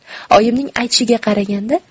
oyimning aytishiga qaraganda